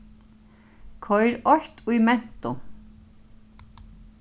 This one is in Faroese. koyr eitt í mentu